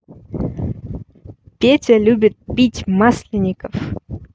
петя любит пить масленников